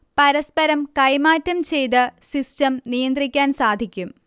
പരസ്പരം കൈമാറ്റം ചെയ്ത് സിസ്റ്റം നിയന്ത്രിക്കാൻ സാധിക്കും